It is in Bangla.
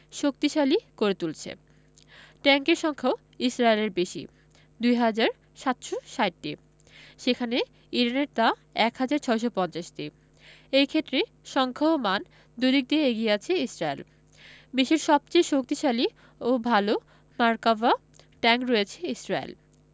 শক্তিশালী করে তুলছে ট্যাংকের সংখ্যাও ইসরায়েলের বেশি ২ হাজার ৭৬০টি সেখানে ইরানের তা ১ হাজার ৬৫০টি এ ক্ষেত্রে সংখ্যা ও মান দুদিক দিয়েই এগিয়ে আছে ইসরায়েল বিশ্বের সবচেয়ে শক্তিশালী ও ভালো মার্কাভা ট্যাংক রয়েছে ইসরায়েল